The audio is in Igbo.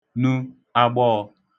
nu agbọọ̄